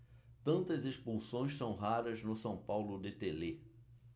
tantas expulsões são raras no são paulo de telê